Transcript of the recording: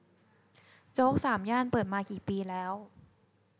โจ๊กสามย่านเปิดมากี่ปีแล้ว